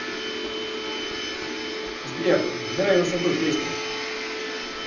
сбер набирай высоту песня